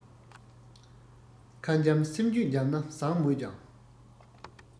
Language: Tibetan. ཁ འཇམ སེམས རྒྱུད འཇམ ན བཟང མོད ཀྱང